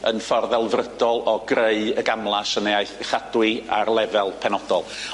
yn ffordd ddelfrydol o greu y gamlas yna ei chadwy ar lefel penodol.